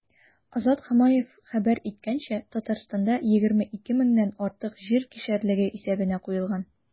Азат Хамаев хәбәр иткәнчә, Татарстанда 22 меңнән артык җир кишәрлеге кадастр исәбенә куелган.